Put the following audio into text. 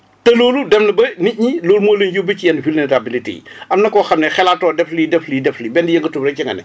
te loolu dem na ba nit ñi loolu moo leen yóbbee ci yenn vulnérabilités yi am na koo xam ne xalaatoo def lii def lii def lii benn yëngatu bi rek ci nga ne